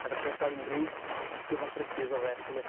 A 'dach chi 'eb ga'l unryw gyfathrebu efo fe ers hynny?